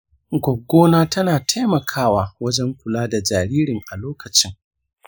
goggona tana taimakawa wajen kula da jaririn a lokacin.